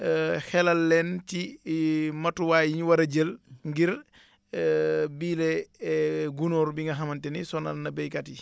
xelal leen ci matuwaay yi ñu war a jël ngir biile gunóor bi nga xamante ni sonal na béykat yi